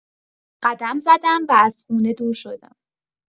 قدم زدم و از خونه دور شدم.